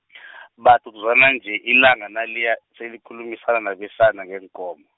baduduzana nje ilanga naliya, selikhulumisana nabesana ngeenkomo.